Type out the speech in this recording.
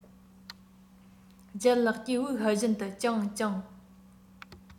ལྗད ལགས ཀྱིས དབུགས ཧལ བཞིན དུ སྤྱང སྤྱང